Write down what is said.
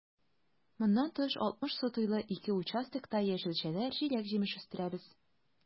Моннан тыш, 60 сотыйлы ике участокта яшелчәләр, җиләк-җимеш үстерәбез.